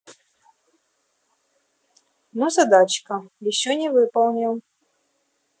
ну задачка еще не выполнил